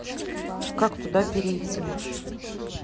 как туда перейти